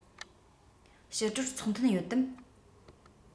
ཕྱི དྲོར ཚོགས ཐུན ཡོད དམ